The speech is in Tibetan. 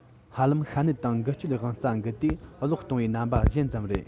ཧ ལམ ཤ གནད དང འགུལ སྐྱོད དབང རྩ འགུལ དུས གློག བཏང བའི རྣམ པ གཞན ཙམ རེད